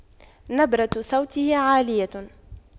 نبرة صوته عالية